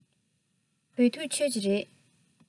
བོད ཐུག མཆོད ཀྱི རེད